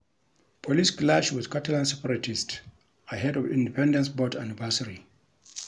Police clash with Catalan separatists ahead of independence vote anniversary